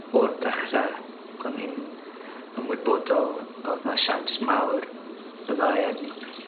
O'r dechre o'n i'n ymwybodol odd 'na siawns mawr byddai yn